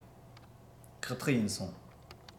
ཁེག ཐེག ཡིན སོང